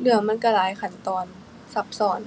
เรื่องมันก็หลายขั้นตอน ซับซ้อน